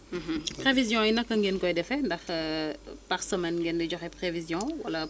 prévisions yi naka ngeen koy defee ndax par semaine ngeen di joxe prévision wala